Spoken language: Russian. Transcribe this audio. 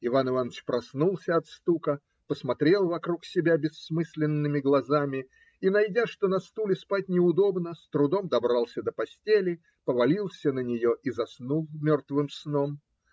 Иван Иваныч проснулся от стука, посмотрел вокруг себя бессмысленными глазами и, найдя, что на стуле спать неудобно, с трудом добрался до постели, повалился на нее и заснул мертвым сном.